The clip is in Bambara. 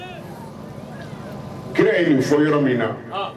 Kɛra e ye fɔ yɔrɔ min na